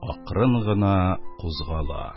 Акрын гына кузгала